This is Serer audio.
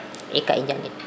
i ka i njaŋin